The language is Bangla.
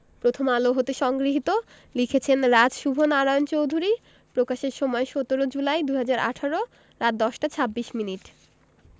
প্রথম আলো হতে সংগৃহীত লিখেছেন রাজ শুভ নারায়ণ চৌধুরী প্রকাশের সময় ১৭ জুলাই ২০১৮ রাত ১০টা ২৬ মিনিট